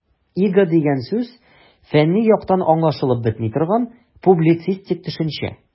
"иго" дигән сүз фәнни яктан аңлашылып бетми торган, публицистик төшенчә.